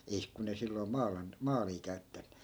ei kun ei silloin - maalia käytetty